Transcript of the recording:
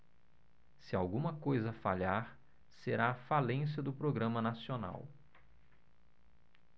se alguma coisa falhar será a falência do programa nacional